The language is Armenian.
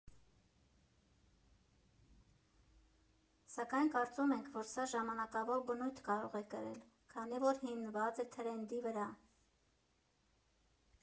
Սակայն կարծում ենք, որ սա ժամանակավոր բնույթ կարող է կրել, քանի որ հիմնված է թրենդի վրա։